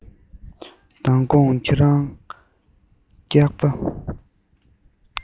མདང དགོང ཁྱོད རང སྐྱག པ